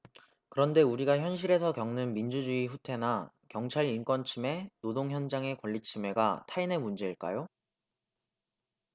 그런데 우리가 현실에서 겪는 민주주의 후퇴나 경찰 인권침해 노동현장의 권리침해가 타인의 문제일까요